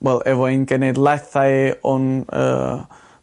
wel efo ein cenedlaethau o'n yy